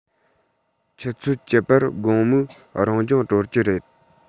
ཆུ ཚོད བཅུ པར དགོང མོའི རང སྦྱོང གྲོལ གྱི རེད